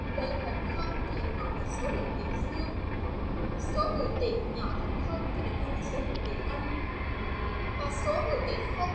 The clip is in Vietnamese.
lớn hơn thì được gọi là số hữu tỉ dương số hữu tỉ nhỏ hơn thì được gọi là số hữu tỉ âm một số hữu tỉ không